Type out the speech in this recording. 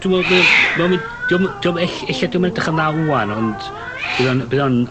Dwi me'wl mae o ma'n mynd... 'Di o'm 'di o'm ell- ella 'di o'm yn edrych yn dda ŵan ond bydd o'n bydd o'n